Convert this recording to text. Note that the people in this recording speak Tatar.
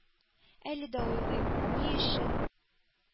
Әле дә уйлыйм: ни өчен